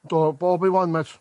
Do bob un wan mêt.